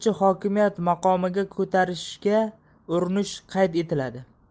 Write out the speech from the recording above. hokimiyat maqomiga ko'tarishga urinish qayd etiladi